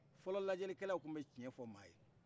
fɔlɔ lajɛlikɛlaw tun bɛ tiɲa fɔ maa ye